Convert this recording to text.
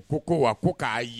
Ko ko wa ko k'a